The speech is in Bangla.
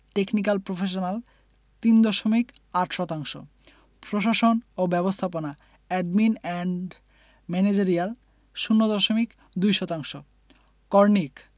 টেকনিকাল প্রফেশনাল ৩ দশমিক ৮ শতাংশ প্রশাসন ও ব্যবস্থাপনা এডমিন এন্ড ম্যানেজেরিয়াল ০ দশমিক ২ শতাংশ করণিক